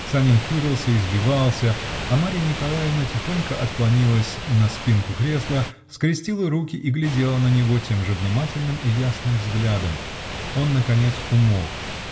Санин путался и сбивался, а Марья Николаевна тихонько отклонилась на спинку кресла, скрестила руки и глядела на него тем же внимательным и ясным взглядом. Он наконец умолк.